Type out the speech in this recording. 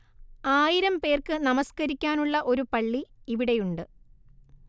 ആയിരം പേർക്ക് നമസ്കരിക്കാനുള്ള ഒരു പള്ളി ഇവിടെയുണ്ട്